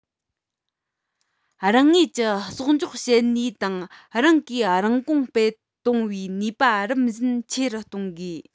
རང ངོས ཀྱི གསོག འཇོག བྱེད ནུས དང རང གིས རང གོང འཕེལ གཏོང བའི ནུས པ རིམ བཞིན ཆེ རུ གཏོང དགོས